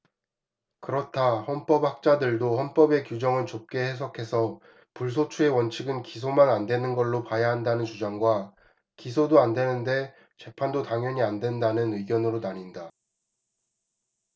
그렇다 헌법학자들도 헌법의 규정은 좁게 해석해서 불소추의 원칙은 기소만 안 되는 걸로 봐야 한다는 주장과 기소도 안 되는 데 재판도 당연히 안 된다는 의견으로 나뉜다